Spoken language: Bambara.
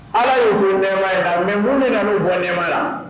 Ala ye g nɛma ye mun min nana'u bɔ nɛma la